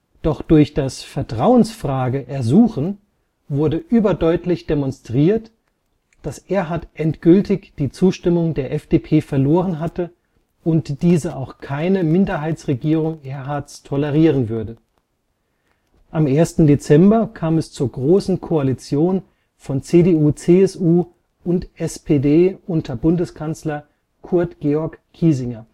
Doch durch das „ Vertrauensfrage-Ersuchen “wurde überdeutlich demonstriert, dass Erhard endgültig die Zustimmung der FDP verloren hatte und diese auch keine Minderheitsregierung Erhards tolerieren würde. Am 1. Dezember kam es zur Großen Koalition von CDU/CSU und SPD unter Bundeskanzler Kurt Georg Kiesinger